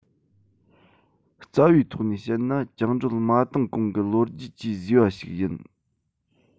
རྩ བའི ཐོག ནས བཤད ན བཅིངས འགྲོལ མ བཏང གོང གི ལོ རྒྱུས ཀྱིས བཟོས པ ཞིག ཡིན